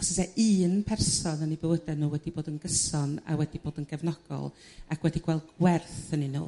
Os o's 'e un person yn 'u bywyde nhw wedi bod yn gyson a wedi bod yn gefnogol ac wedi gweld gwerth ynyn nhw